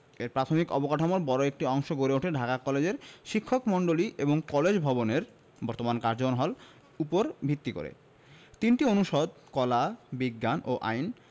এর প্রাথমিক অবকাঠামোর বড় একটি অংশ গড়ে উঠে ঢাকা কলেজের শিক্ষকমন্ডলী এবং কলেজ ভবনের বর্তমান কার্জন হল উপর ভিত্তি করে ৩টি অনুষদ কলা বিজ্ঞান ও আইন